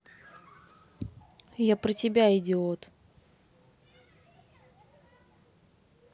я про тебя идиот